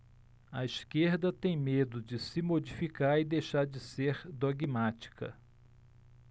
a esquerda tem medo de se modificar e deixar de ser dogmática